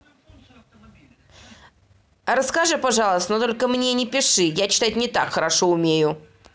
расскажи пожалуйста но только мне не пиши я читать не так хорошо умею